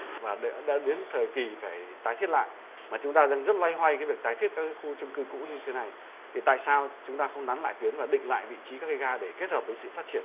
và đã đã đến thời kỳ phải tái thiết lại mà chúng ta đang rất loay hoay với việc tái thiết các cái khu chung cư cũ như thế này thì tại sao chúng ta không nắn lại tuyến và định lại vị trí các cái ga để kết hợp với sự phát triển